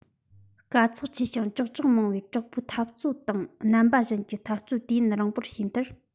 དཀའ ཚེགས ཆེ ཞིང ཀྱག ཀྱོག མང བའི དྲག པོའི འཐབ རྩོད དང རྣམ པ གཞན གྱི འཐབ རྩོད དུས ཡུན རིང པོར བྱས མཐར